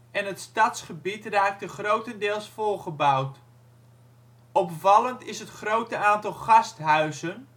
en het stadsgebied raakte grotendeels volgebouwd. Opvallend is het grote aantal gasthuizen